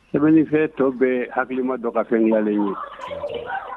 Sɛbɛnnifɛn tɔw bɛ hakilikilima dɔ ka fɛn yaalen ye